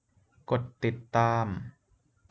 กดติดตาม